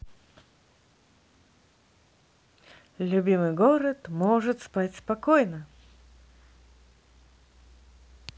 любимый город может спать спокойно